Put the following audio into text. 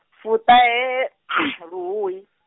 fuṱahe, luhuhi.